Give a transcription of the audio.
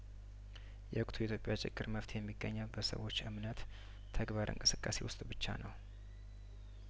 የወቅቱ የኢትዮጵያ ችግር መፍትሄ የሚገኘው በሰዎች እምነት ተግባር እንቅስቃሴ ውስጥ ብቻ ነው